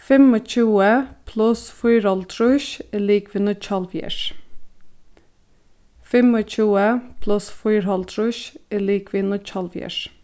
fimmogtjúgu pluss fýraoghálvtrýss er ligvið níggjuoghálvfjerðs fimmogtjúgu pluss fýraoghálvtrýss er ligvið níggjuoghálvfjerðs